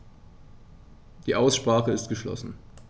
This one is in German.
Die Aussprache ist geschlossen.